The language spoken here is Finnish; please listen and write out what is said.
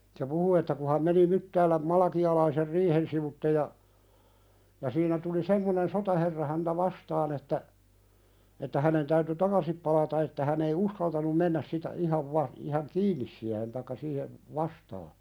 se puhui että kun hän meni Myttäälän Malakialaisen riihen sivuitse ja ja siinä tuli semmoinen sotaherra häntä vastaan että että hänen täytyi takaisin palata että hän ei uskaltanut mennä sitä ihan - ihan kiinni siihen tai siihen vastaan